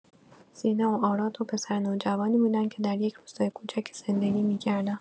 سینا و آراد دو پسر نوجوانی بودند که در یک روستای کوچک زندگی می‌کردند.